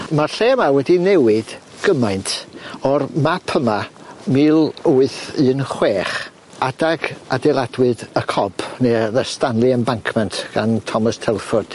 Ma'r lle yma wedi newid gymaint o'r map yma mil wyth un chwech adag adeiladwyd y Cob ne' yy The Stanley Embankment gan Thomas Telford.